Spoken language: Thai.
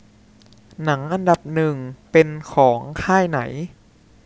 หนังอันดับหนึ่งเป็นของค่ายไหน